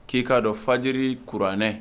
K'i k'a dɔn fajiri kuranɛ